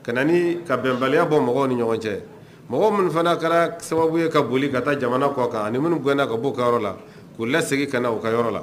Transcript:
Ka na ni ka bɛnbaliya bɔ mɔgɔw ni ɲɔgɔn cɛ mɔgɔ minnu fana kɛra sababu ye ka boli ka taa jamana kɔkan ani minnu gɛnna ka bɔ ka yɔrɔ la k'u lasegin ka b'u ka yɔrɔ la